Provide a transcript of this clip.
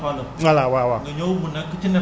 léegi juge nga ci forme lëppaalëb